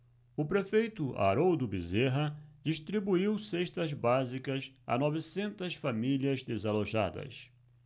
o prefeito haroldo bezerra distribuiu cestas básicas a novecentas famílias desalojadas